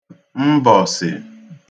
mbọ̀sị̀